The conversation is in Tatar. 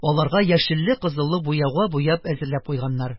Аларга яшелле-кызыллы буяуга буяп әзерләп куйганнар.